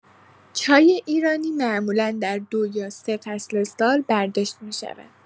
چای ایرانی معمولا در دو یا سه فصل سال برداشت می‌شود.